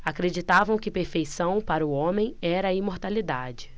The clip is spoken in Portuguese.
acreditavam que perfeição para o homem era a imortalidade